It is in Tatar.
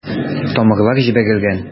Тамырлар җибәрелгән.